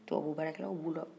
tubababubarakɛlaw bɛ u la